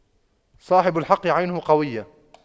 صاحب الحق عينه قوية